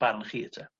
barn chi 'te?